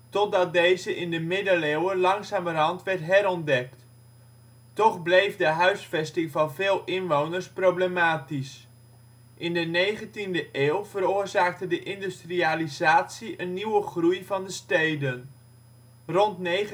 totdat deze in de Middeleeuwen langzamerhand werd herontdekt. Toch bleef de huisvesting van veel inwoners problematisch. In de 19e eeuw veroorzaakte de industrialisatie een nieuwe groei van de steden. Rond 1900